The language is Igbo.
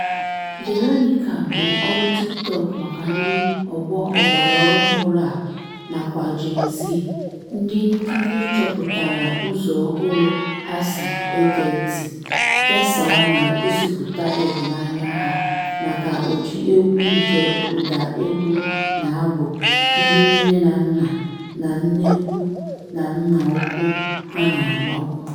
Veronica bụ olu TikTok maka ndị ọgbọ ọgbaraọhụrụ a nakwa Gen Z - ndị nkiri chọpụtara ụzọ ọhụrụ ha sị e gee ntị, kesaa ma gosịpụta ịhụnanya ha maka ụdị egwu nke ụdaegwu na abụ ndị nne na nna na nneukwu na nnàúkwú ha na-agbabu.